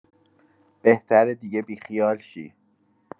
بهتره دیگه بی‌خیال شی.